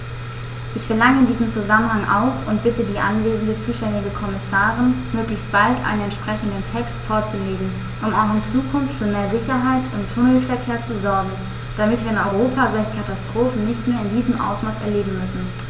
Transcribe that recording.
Ich verlange in diesem Zusammenhang auch und bitte die anwesende zuständige Kommissarin, möglichst bald einen entsprechenden Text vorzulegen, um auch in Zukunft für mehr Sicherheit im Tunnelverkehr zu sorgen, damit wir in Europa solche Katastrophen nicht mehr in diesem Ausmaß erleben müssen!